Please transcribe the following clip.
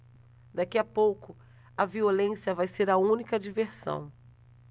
daqui a pouco a violência vai ser a única diversão